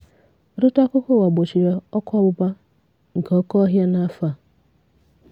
Ọtụtụ akụkụ ụwa gbochiri ọkụ ọgbụgba nke oke ọhịa n'afọ a.